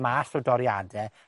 mas o doriade,